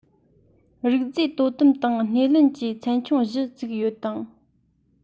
རིག རྫས དོ དམ དང སྣེ ལེན བཅས ཚན ཆུང བཞི བཙུགས ཡོད དང